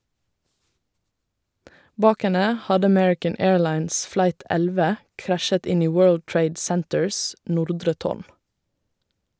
Bak henne hadde American Airlines Flight 11 krasjet inn i World Trade Centers nordre tårn.